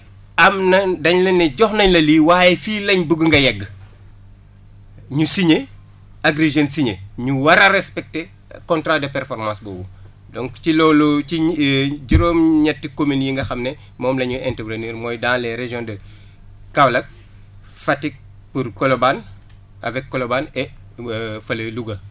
am na dañ ne la jox nañ la lii waaye fii lañ bëgg nga yegg ñu signé agri Jeunes signé ñur war a respecter contrat de performance boobu donc ci loolu ci juróom-ñetti communes yi nga xam ne moom la ñu intervenir mooy dans les régions de Kaolack Fatick pour colobane avec Colobane et fële Louga